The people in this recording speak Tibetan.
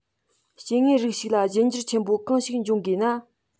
སྐྱེ དངོས རིགས ཤིག ལ གཞན འགྱུར ཆེན པོ གང ཞིག འབྱུང དགོས ན